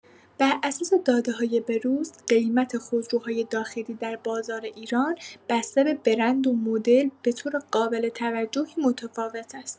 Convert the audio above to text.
بر اساس داده‌های به‌روز، قیمت خودروهای داخلی در بازار ایران بسته به برند و مدل، به‌طور قابل توجهی متفاوت است.